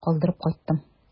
Калдырып кайттым.